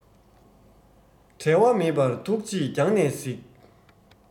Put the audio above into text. འབྲལ བ མེད པར ཐུགས རྗེས རྒྱང ནས གཟིགས